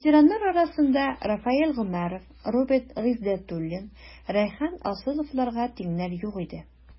Ветераннар арасында Рафаэль Гомәров, Роберт Гыйздәтуллин, Рәйхан Асыловларга тиңнәр юк иде.